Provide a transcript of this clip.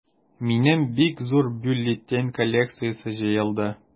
Минем бик зур бюллетень коллекциясе җыелды.